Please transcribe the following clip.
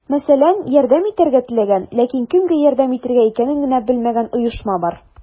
Мәсәлән, ярдәм итәргә теләгән, ләкин кемгә ярдәм итергә икәнен генә белмәгән оешма бар.